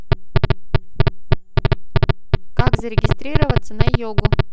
как зарегистрироваться на йогу